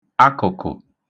akụ̀kụ̀